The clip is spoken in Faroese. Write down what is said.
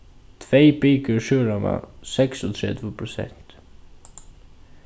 tvey bikør súrróma seksogtretivu prosent